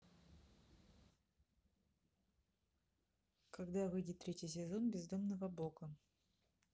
когда выйдет третий сезон бездомного бога